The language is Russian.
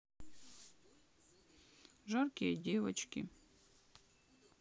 жаркие девочки